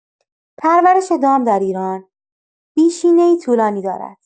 پرورش دام در ایران پیشینه‌ای طولانی دارد.